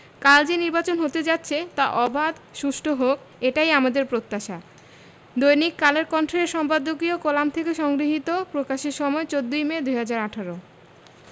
কাল যে নির্বাচন হতে যাচ্ছে তা অবাধ সুষ্ঠু হোক এটাই আমাদের প্রত্যাশা দৈনিক কালের কণ্ঠ এর সম্পাদকীয় কলাম হতে সংগৃহীত প্রকাশের সময় ১৪ মে ২০১৮